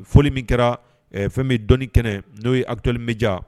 Foli min kɛra fɛn bɛ dɔn kɛnɛ n'o ye akit bɛja